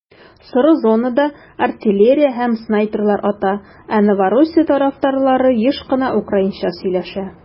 Соры зонада артиллерия һәм снайперлар аталар, ә Новороссия тарафтарлары еш кына украинча сөйләшә.